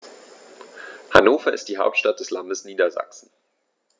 Hannover ist die Hauptstadt des Landes Niedersachsen.